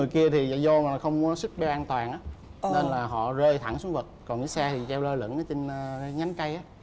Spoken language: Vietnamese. người kia thì do không có sức dây an toàn á nên là họ rơi thẳng xuống vực còn cái xe treo lơ lửng trên nhánh cây á